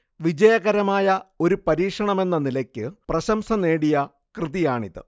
വിജയകരമായ ഒരു പരീക്ഷണമെന്ന നിലയ്ക്ക് പ്രശംസ നേടിയ കൃതിയാണിത്